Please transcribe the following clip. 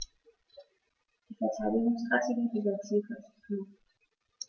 Die Verteidigungsstrategie dieser Tiere ist Flucht.